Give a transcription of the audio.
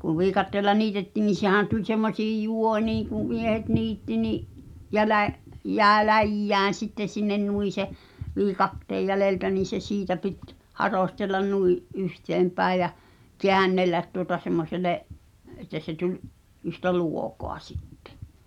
kun viikatteella niitettiin niin sehän tuli semmoisiin juoniin kun miehet niitti niin - jäi läjään sitten sinne noin se viikatteen jäljeltä niin se siitä piti harostella noin yhteenpäin ja käännellä tuota semmoiselle että se tuli yhtä luokoa sitten